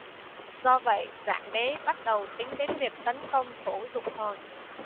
do vậy dạng đế bắt đầu tính đến việc tấn công thổ dục hồn